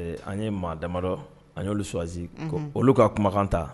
An ye maa damadɔ ani y olu suwazali olu ka kumakan ta